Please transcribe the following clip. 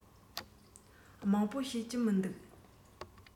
མང པོ ཤེས ཀྱི མི འདུག